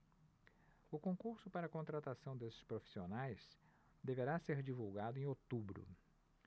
o concurso para contratação desses profissionais deverá ser divulgado em outubro